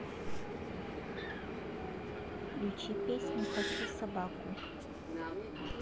включи песню хочу собаку